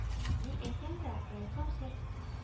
Ни әйтсәң дә райком сер